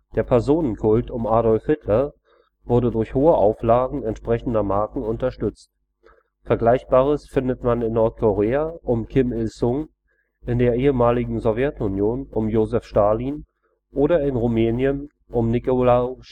Der Personenkult um Adolf Hitler wurde durch hohe Auflagen entsprechender Marken unterstützt. Vergleichbares findet man in Nordkorea um Kim Il-sung, in der ehemaligen Sowjetunion um Josef Stalin oder in Rumänien um Nicolae